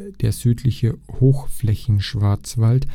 der Südliche Hochflächenschwarzwald